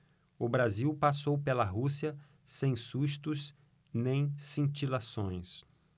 o brasil passou pela rússia sem sustos nem cintilações